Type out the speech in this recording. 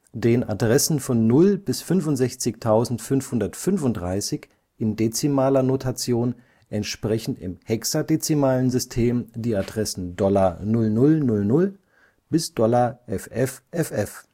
Den Adressen von 0 bis 65535 in dezimaler Notation entsprechen im hexadezimalen System die Adressen $ 0000 bis $FFFF